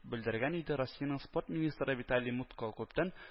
Белдергән иде россиянең спорт министры виталий мутко күптән